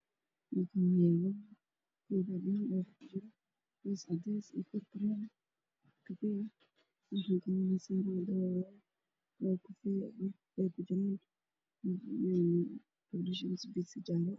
Meeshaan waxaa ka muuqda miis cad ay saaran yihiin cuntada fudud sida shaaha Waxaa kale oo saaran buug